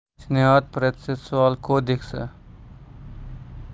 jinoyat protsessual kodeksi